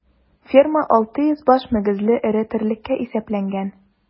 Ферма 600 баш мөгезле эре терлеккә исәпләнгән.